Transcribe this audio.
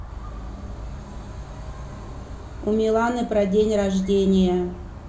у миланы про день рождения